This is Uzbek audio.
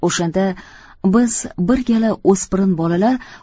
o'shanda biz bir gala o'spirin bolalar